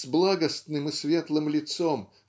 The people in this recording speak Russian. с благостным и светлым лицом